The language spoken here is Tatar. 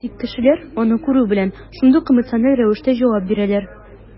Тик кешеләр, аны күрү белән, шундук эмоциональ рәвештә җавап бирәләр.